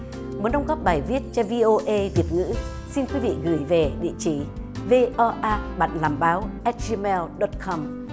muốn đóng góp bài viết cho vi ô ê việt ngữ xin quý vị gửi về địa chỉ vê o a bạn làm báo ét di meo đấp căm